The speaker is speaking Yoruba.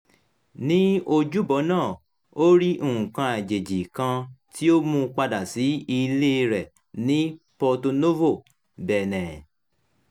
Ní ojúbọ náà, ó rí “nǹkan àjèjì” kan tí ó mú padà sí ilé rẹ̀ ní Porto-Novo, Bẹ̀nẹ̀.